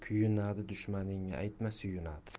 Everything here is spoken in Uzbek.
kuyunadi dushmaningga aytma suyunadi